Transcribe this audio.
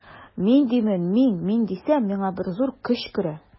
Мин димен мин, мин дисәм, миңа бер зур көч керә.